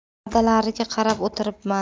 adalariga qarab o'tiribman